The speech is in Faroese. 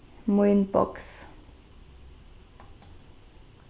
mínboks